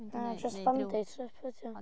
Na just bonding trip ydi o